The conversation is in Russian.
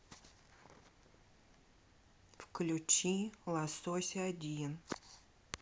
включи лосось один